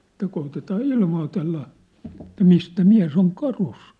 että koetetaan ilmoitella että mistä mies on karussa